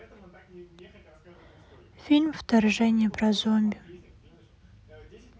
фильм вторжение про зомби